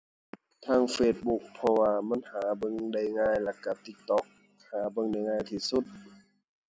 ทาง Facebook เพราะว่ามันหาเบิ่งได้ง่ายแล้วก็ TikTok หาเบิ่งได้ง่ายที่สุด